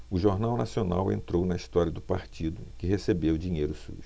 o jornal nacional entrou na história do partido que recebeu dinheiro sujo